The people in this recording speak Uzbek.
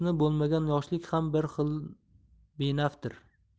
bo'lmagan yoshlik ham bir xilda benafdir